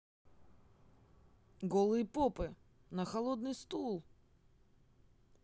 голые попы на холодный стул